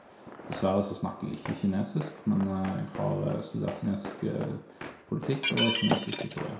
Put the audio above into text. Dessverre så snakker jeg ikke kinesisk, men jeg har studert kinesisk politikk og kinesisk historie.